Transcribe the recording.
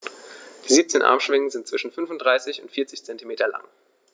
Die 17 Armschwingen sind zwischen 35 und 40 cm lang.